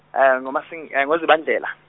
ngoMasi- ngoZibandlela.